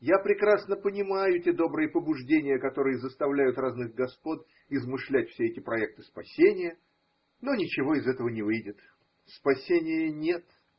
Я прекрасно понимаю те добрые побуждения, которые заставляют разных господ измышлять все эти проекты спасения, но ничего из этого не выйдет. Спасения нет.